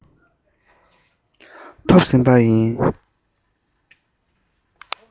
སྐབས དེར ཁྱོད ཉིད